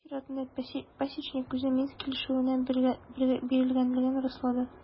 Үз чиратында Пасечник үзе Минск килешүенә бирелгәнлеген раслады.